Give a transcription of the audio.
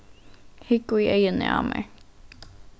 hygg í eyguni á mær